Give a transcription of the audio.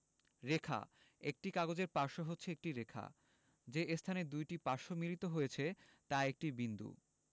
রেখাঃ একটি কাগজের পার্শ্ব হচ্ছে একটি রেখা যে স্থানে দুইটি পার্শ্ব মিলিত হয়েছে তা একটি বিন্দু